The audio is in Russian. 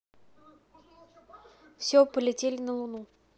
все полетели на луну